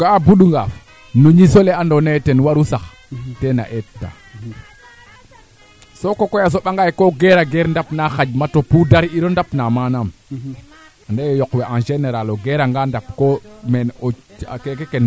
to kaaga xaƴa mi fene an inun soko koy xaƴa kam foog u mee o reta nga bo manquer doole ka taxna doctor a leyan kam fooge ndawal rek waago njax bo doole of fa gar